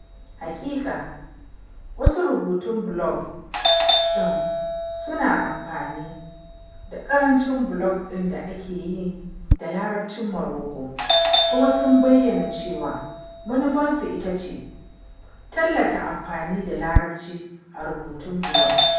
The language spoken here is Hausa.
Haƙiƙa, wasu rubutun blog ɗin suna amfani, da ƙarancin blog ɗin da ake yi da Larabcin Morocco kuma sun bayyana cewa manufarsu ita ce tallata amfani da Larabci a rubutun blog.